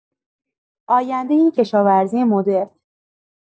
آینده کشاورزی مدرن